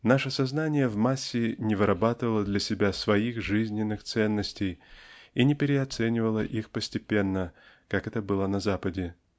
Наше сознание в массе не вырабатывало для себя своих жизненных ценностей и не переоценивало их постепенно как это было на Западе